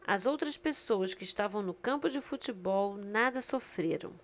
as outras pessoas que estavam no campo de futebol nada sofreram